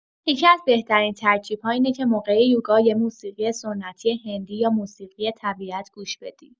یکی‌از بهترین ترکیب‌ها اینه که موقع یوگا یه موسیقی سنتی هندی یا موسیقی طبیعت گوش بدی.